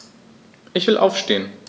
Ich will aufstehen.